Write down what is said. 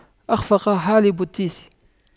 أَخْفَقَ حالب التيس